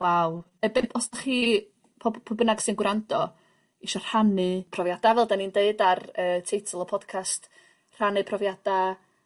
Waw. E-by- os dych chi pob- pwy bynnag sy'n gwrando isio rhannu profiada fel 'dan ni'n deud ar yy teitl y podcast rhannu profiada